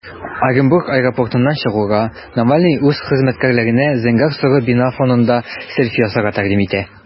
Оренбург аэропортыннан чыгуга, Навальный үз хезмәткәрләренә зәңгәр-соры бина фонында селфи ясарга тәкъдим итә.